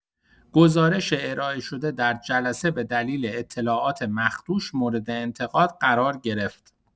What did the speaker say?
گزارش ارائه شده در جلسه به دلیل اطلاعات مخدوش مورد انتقاد قرار گرفت.